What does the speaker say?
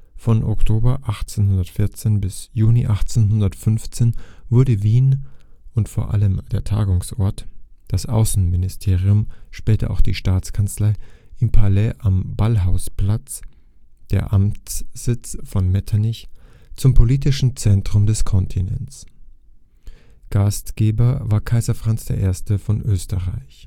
Von Oktober 1814 bis Juni 1815 wurde Wien und vor allem der Tagungsort, das Außenministerium (später auch die Staatskanzlei) im Palais am Ballhausplatz, der Amtssitz von Metternich, zum politischen Zentrum des Kontinents. Gastgeber war Kaiser Franz I. von Österreich